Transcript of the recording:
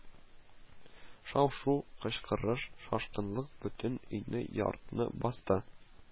Шау-шу, кычкырыш, шашкынлык бөтен өйне, йортны басты